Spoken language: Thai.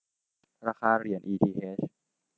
ราคาเหรียญอีทีเฮช